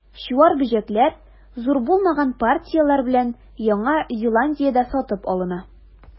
Чуар бөҗәкләр, зур булмаган партияләр белән, Яңа Зеландиядә сатып алына.